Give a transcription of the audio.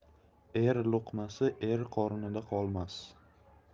er luqmasi er qornida qolmas